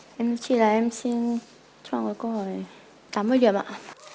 em thưa chị là em xin chọn gói câu hỏi tám mươi điểm ạ